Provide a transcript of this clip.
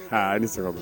H a ni sago